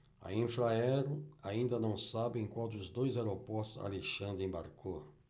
a infraero ainda não sabe em qual dos dois aeroportos alexandre embarcou